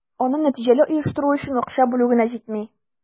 Аны нәтиҗәле оештыру өчен акча бүлү генә җитми.